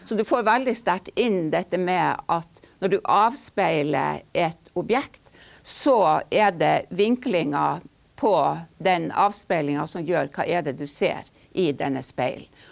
så du får veldig sterkt inn dette med at når du avspeiler et objekt, så er det vinklinga på den avspeilinga som gjør hva er det du ser i denne speil.